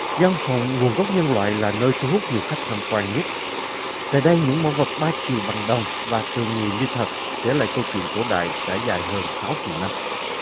văn phòng nguồn gốc nhân loại là nơi thu hút nhiều khách tham quan nhất tại đây những mẫu vật ba chiều bằng đồng và từ người như thật kể lại câu chuyện cổ đại trải dài hơn sáu triệu năm